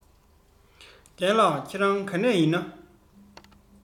རྒན ལགས ཁྱེད རང ག ནས ཡིན ན